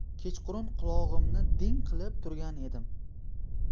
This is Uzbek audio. kechqurun qulog'imni ding qilib turgan edim